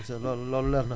loolu loolu leer na